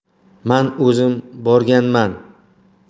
man o'zim borganman